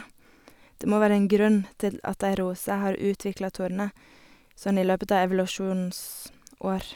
Det må være en grunn til at ei rose har utvikla torner sånn i løpet av evolusjonens år.